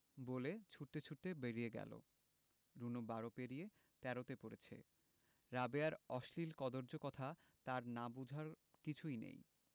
বলে ছুটতে ছুটতে বেরিয়ে গেল রুনু বারো পেরিয়ে তেরোতে পড়েছে রাবেয়ার অশ্লীল কদৰ্য কথা তার না বুঝার কিছুই নেই